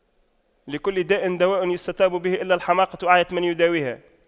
لكل داء دواء يستطب به إلا الحماقة أعيت من يداويها